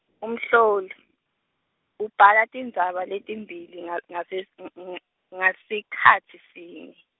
Umhloli, ubhala tindzaba letimbili nga- ngase- ng- nga- ngasikhatsi sinye.